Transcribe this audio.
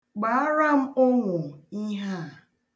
Gbaara m onwo ihe a.